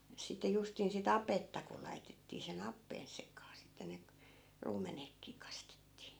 sitten justiin sitä apetta kun laitettiin sen appeen sekaan sitten ne - ruumenetkin kastettiin